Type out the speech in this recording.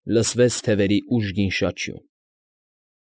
Լսվեց թևերի ուժգին շաչյուն։